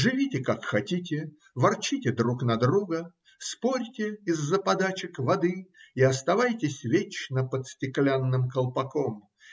живите как хотите, ворчите друг на друга, спорьте из-за подачек воды и оставайтесь вечно под стеклянным колпаком.